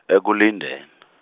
eKulindeni.